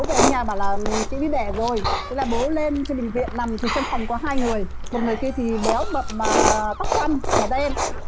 về đến nhà bảo là chị đi đẻ rồi thế là bố lên xem bệnh viện nằm thì trong phòng có hai người một người kia thì béo mập mà tóc xoăn mà đen